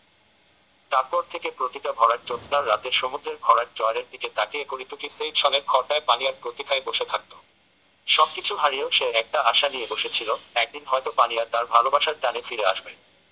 তারপর থেকে প্রতিটা ভরাট জ্যোৎস্নার রাতে সমুদ্রের ভরাট জোয়ারের দিকে তাকিয়ে করিটুকি সেই ছনের ঘরটায় পানিয়ার প্রতীক্ষায় বসে থাকত সবকিছু হারিয়েও সে একটা আশা নিয়ে বসেছিল একদিন হয়তো পানিয়া তার ভালোবাসার টানে ফিরে আসবে